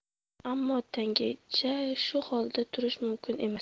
ammo tonggacha shu holda turish mumkin emas